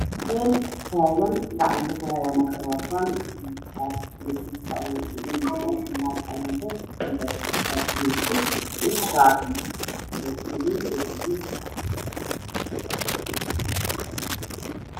Nin taagan wuxuu gacanta ku hayaan makarafoon midabkiis yahay madow shaatiga uu qabo waa buluug dad ayuu la hadlayaa